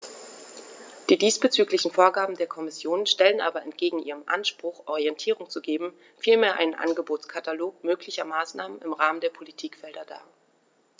Die diesbezüglichen Vorgaben der Kommission stellen aber entgegen ihrem Anspruch, Orientierung zu geben, vielmehr einen Angebotskatalog möglicher Maßnahmen im Rahmen der Politikfelder dar.